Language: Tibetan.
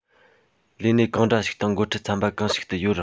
ལས གནས གང འདྲ ཞིག དང འགོ ཁྲིད ཚན པ གང ཞིག ཏུ ཡོད རུང